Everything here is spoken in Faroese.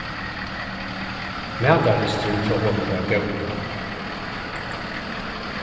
matarlysturin hjá honum var góður